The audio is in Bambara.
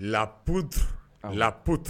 La poudre la poutre